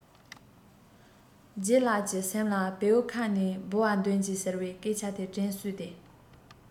ལྗད ལགས ཀྱི སེམས ལ བེའུའི ཁ ནས ལྦུ བ འདོན གྱིས ཟེར བའི སྐད ཆ དེ དྲན གསོས ཏེ